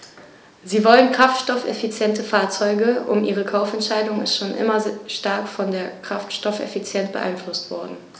Sie wollen kraftstoffeffiziente Fahrzeuge, und ihre Kaufentscheidung ist schon immer stark von der Kraftstoffeffizienz beeinflusst worden.